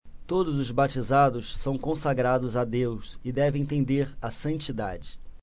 todos os batizados são consagrados a deus e devem tender à santidade